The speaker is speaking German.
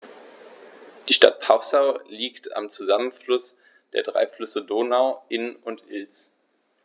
Die Stadt Passau liegt am Zusammenfluss der drei Flüsse Donau, Inn und Ilz.